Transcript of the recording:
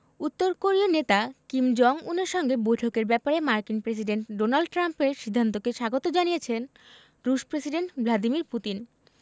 উত্তর কোরীয় নেতা কিম জং উনের সঙ্গে বৈঠকের ব্যাপারে মার্কিন প্রেসিডেন্ট ডোনাল্ড ট্রাম্পের সিদ্ধান্তকে স্বাগত জানিয়েছেন রুশ প্রেসিডেন্ট ভ্লাদিমির পুতিন